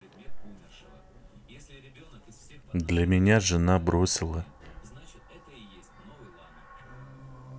для меня жена бросила